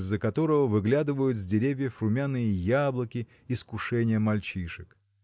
из-за которого выглядывают с деревьев румяные яблоки искушение мальчишек.